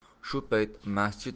shu payt masjid